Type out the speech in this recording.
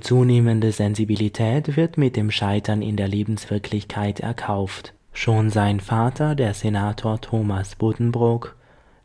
zunehmende Sensibilität wird mit dem Scheitern in der Lebenswirklichkeit erkauft. Schon sein Vater, der Senator Thomas Buddenbrook,